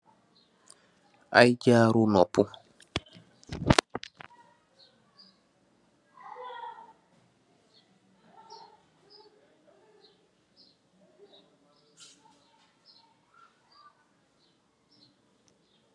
Ayy jaaru noppu.